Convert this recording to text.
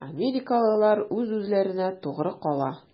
Америкалылар үз-үзләренә тугры кала.